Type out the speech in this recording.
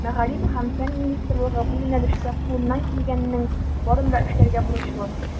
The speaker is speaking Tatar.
Мәгариф һәм фән министрлыгы бу юнәлештә кулыннан килгәннең барын да эшләргә бурычлы.